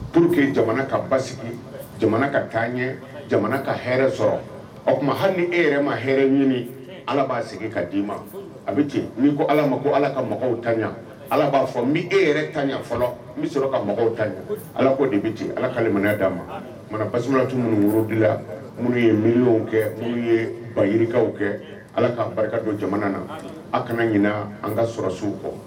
P que jamana ka ba sigi jamana ka taa ɲɛ jamana ka hɛ sɔrɔ o tuma hali ni e yɛrɛ ma h ɲini ala b'a sigi ka' d di' ma a bɛ ci min ko ala ma ko ala ka mɔgɔw ta ɲɛ ala b'a fɔ n min e yɛrɛ ta fɔlɔ n bɛ sɔrɔ ka mɔgɔw ta ala ko de bɛ ci ala kamanaya d'a ma mana basilati minnu worodila minnuu ye minw kɛ minnuu ye bayikaw kɛ ala ka barika don jamana na a kana ɲin an ka sɔrɔsiww kɔ